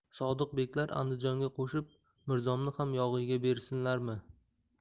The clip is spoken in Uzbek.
sodiq beklar andijonga qo'shib mirzomni ham yog'iyga bersinlarmi